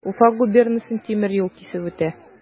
Уфа губернасын тимер юл кисеп үтә.